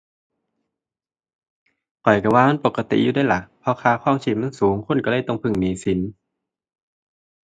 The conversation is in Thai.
ข้อยก็ว่ามันปกติอยู่เดะล่ะ เพราะค่าของชีพมันสูง คนก็เลยต้องพึ่งหนี้สิน